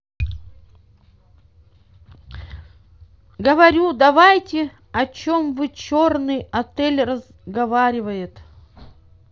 говорю давайте о чем вы черный отель разговаривает